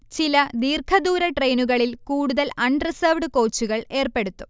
ചില ദീർഘദൂര ട്രെയിനുകളിൽ കൂടുതൽ അൺ റിസർവ്ഡ് കോച്ചുകൾ ഏർപ്പെടുത്തും